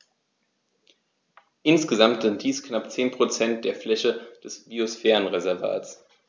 Insgesamt sind dies knapp 10 % der Fläche des Biosphärenreservates.